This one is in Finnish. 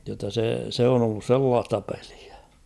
jotta se se on ollut sellaista peliä